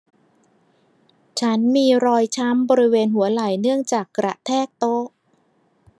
ฉันมีรอยช้ำบริเวณหัวไหล่เนื่องจากกระแทกโต๊ะ